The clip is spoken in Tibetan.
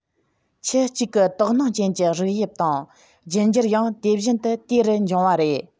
ཁྱུ གཅིག གི དོགས སྣང ཅན གྱི རིགས དབྱིབས དང རྒྱུད འགྱུར ཡང དེ བཞིན དུ དེ རུ འབྱུང བ རེད